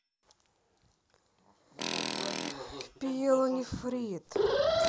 пиелонефрит